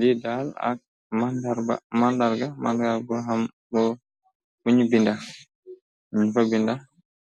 Li daal ab màndarga ga la, mandarga bu ham ñing fa bindé ñing fa bindé